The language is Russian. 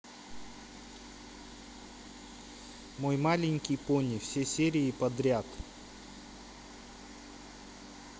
мой маленький пони все серии подряд